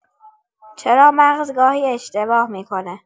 چرا مغز گاهی اشتباه می‌کنه؟